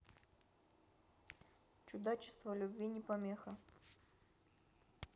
чудачество любви не помеха